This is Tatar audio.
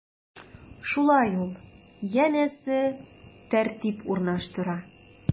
Шулай ул, янәсе, тәртип урнаштыра.